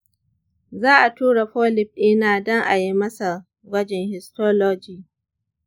za a tura polyp ɗina don a yi masa gwajin histology.